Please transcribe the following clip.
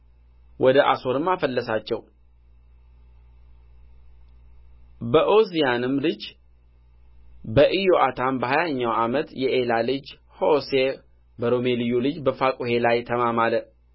ወደ አሦርም አፈለሳቸው በዖዝያንም ልጅ በኢዮአታም በሀያኛው ዓመት የኤላ ልጅ ሆሴዕ በሮሜልዩ ልጅ በፋቁሔ ላይ ተማማለ